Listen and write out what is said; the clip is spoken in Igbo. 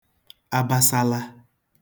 abasala